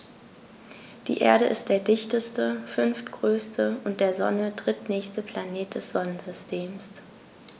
Die Erde ist der dichteste, fünftgrößte und der Sonne drittnächste Planet des Sonnensystems.